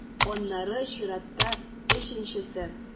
Аннары чиратта - өченчесе.